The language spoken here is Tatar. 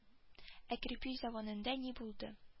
Ә кирпеч заводында ни булды